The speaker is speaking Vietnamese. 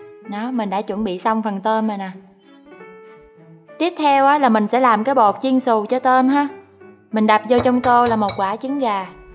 nó mình đã chuẩn bị xong phần tôm ời nè tiếp theo là mình sẽ làm cái bột chiên xù cho tôm ha mình đập vô trong tô là một quả trứng gà